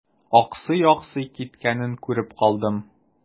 Аксый-аксый киткәнен күреп калдым.